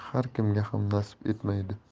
har kimga ham nasib etmaydi